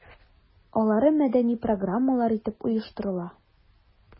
Алары мәдәни программалар итеп оештырыла.